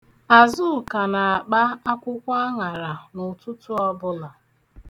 Azụka na-akpa akwụkwọ aṅara n'ụtụtụ ọbụla.